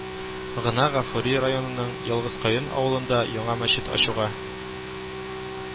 Гына гафури районының ялгызкаен авылында яңа мәчет ачуга